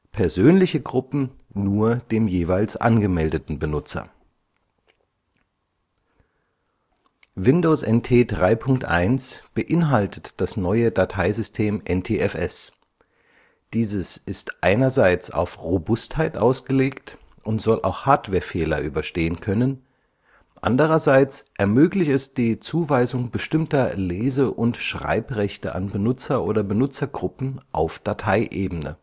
persönliche Gruppen nur dem jeweils angemeldeten Benutzer. Datei-Manager von Windows NT 3.1 mit geöffneter Rechteverwaltung Windows NT 3.1 beinhaltet das neue Dateisystem NTFS. Dieses ist einerseits auf Robustheit ausgelegt und soll auch Hardwarefehler überstehen können, andererseits ermöglicht es die Zuweisung bestimmter Lese - und Schreibrechte an Benutzer oder Benutzergruppen auf Dateiebene